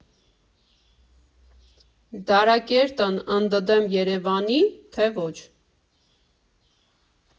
Դարակերտն ընդդեմ Երևանի՞, թե՞ ոչ։